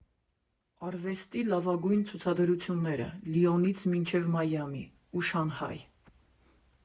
Արվեստի լավագույն ցուցադրությունները Լիոնից մինչև Մայամի ու Շանհայ։